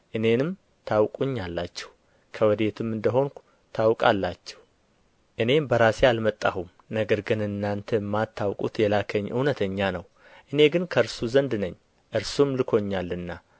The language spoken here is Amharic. እኔንም ታውቁኛላችሁ ከወዴትም እንደ ሆንሁ ታውቃላችሁ እኔም በራሴ አልመጣሁም ነገር ግን እናንተ የማታውቁት የላከኝ እውነተኛ ነው እኔ ግን ከእርሱ ዘንድ ነኝ እርሱም ልኮኛልና